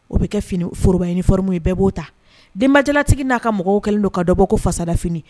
O bɛ kɛ fini forooroba ɲini ni fmu ye bɛɛ b'o ta denbajalatigi n'a ka mɔgɔw kɛlen don ka dɔ bɔ ko fasada fini